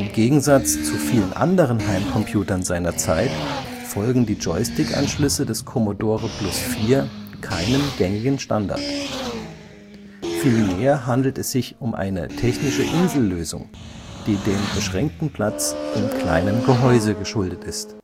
Gegensatz zu vielen anderen Heimcomputern seiner Zeit folgen die Joystickanschlüsse des Commodore Plus/4 keinem gängigen Standard. Vielmehr handelt es sich um eine technische Insellösung, die dem beschränkten Platz im kleinen Gehäuse geschuldet ist